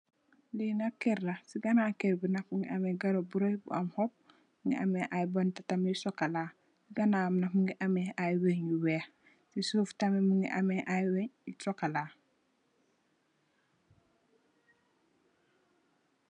Lii nakk kerrla, sii ganaww kerr bii nakk mungii amm garapp bu raii mungii amm aii khobb, ak aii bantaa you chocola , sii ganawamm mungii amm aii wanj you wehk, sii kanamm tamm mungii amm aii wanj you chocala.